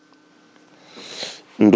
jomum biyeɗa ya wat 4K